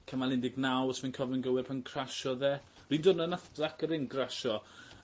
cymal un deg naw os wi'n cofio'n gywir pan crasiodd e. 'Run diwrnod nath Zakerin grasho